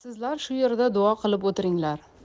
sizlar shu yerda duo qilib o'tiringlar